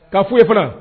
K'a foyi ye fana